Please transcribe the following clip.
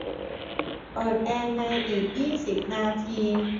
เปิดแอร์ในอีกยี่สิบนาที